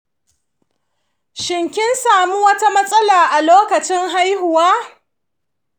shin kin sami wata matsala ne lokacin haihuwa?